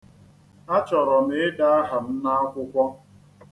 Achọrọ m ide aha m n'akwụkwọ.